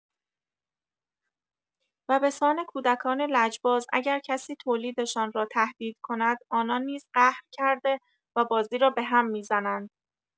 و بسان کودکان لجباز اگر کسی تولیدشان را تهدید کند آنان نیز قهر کرده و بازی را بهم می‌زنند.